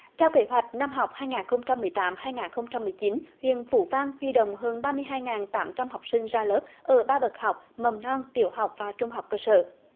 theo kế hoạch năm học hai nghìn không trăm mười tám hai nghìn không trăm mười chín huyện phú vang huy động hơn ba mươi hai ngàn tám trăm học sinh ra lớp ở ba bậc học mầm non tiểu học và trung học cơ sở